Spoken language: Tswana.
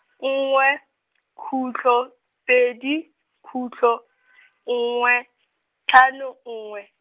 nngwe , khutlo, pedi, khutlo , nngwe, tlhano nngwe.